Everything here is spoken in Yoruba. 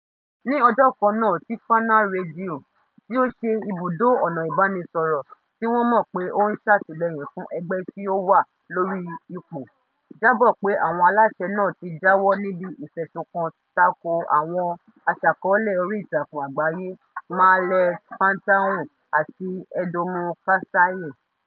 Ní ọjọ́ kannáà tí FANA Rédíò, tíí ṣe ibùdó ọ̀nà ìbánisọ̀rọ̀ tí wọ́n mọ̀ pé ó ń ṣàtìlẹ́yìn fún ẹgbẹ́ tí ó wà lórí ipò, jábọ̀ pé àwọn aláṣẹ náà tí jáwọ́ níbi ìfẹ̀sùnkàn tako àwọn aṣàkọ́ọ́lẹ̀ orí ìtàkùn àgbáyé Mahlet Fantahun àti Édómù Kassaye.